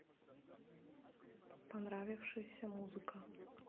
понравившаяся музыка